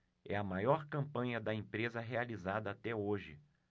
é a maior campanha da empresa realizada até hoje